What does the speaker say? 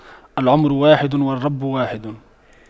العمر واحد والرب واحد